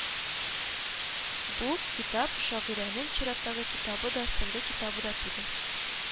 Бу китап шагыйрьнең чираттагы китабы да, соңгы китабы да түгел